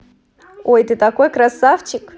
ой ты такой красавчик